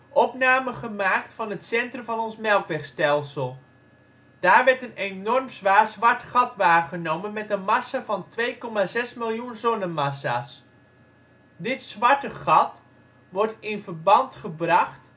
opnamen gemaakt van het centrum van ons melkwegstelsel. Daar werd een enorm zwaar zwart gat waargenomen met de massa van 2,6 miljoen zonnemassa 's. Dit zwarte gat wordt in verband gebracht